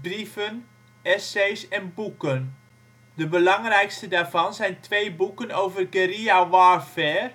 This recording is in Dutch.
brieven, essays en boeken. De belangrijkste daarvan zijn twee boeken over guerrilla warfare